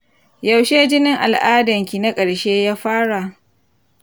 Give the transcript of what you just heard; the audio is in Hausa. yaushe jinin al'adanki na ƙarshe ya fara?